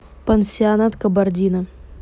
пансионат кабардино